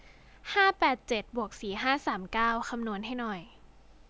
ห้าแปดเจ็ดบวกสี่ห้าสามเก้าคำนวณให้หน่อย